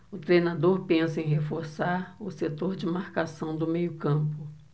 o treinador pensa em reforçar o setor de marcação do meio campo